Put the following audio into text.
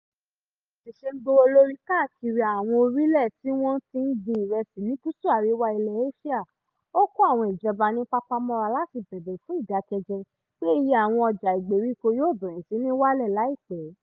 Bí iye ìrẹsì ṣé ń gbówó lórí káàkiri àwọn orílẹ̀ tí wọ́n ti ń gbin ìrẹsì ní GúúsùÀríwá Ilẹ̀ Éṣíà, ó kó àwọn ìjọba ní papámọ́ra láti bèbè fún ìdákẹ́jẹ́ pé iye àwọn ọjà ìgbèríko yóò bẹ̀rẹ̀ sí níí wálẹ̀ láìpẹ́.